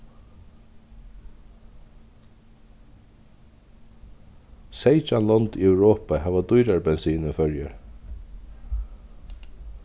seytjan lond í europa hava dýrari bensin enn føroyar